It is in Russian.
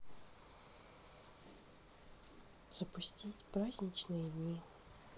запустить праздничные дни